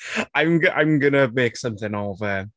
I'm go- I'm gonna make something of it.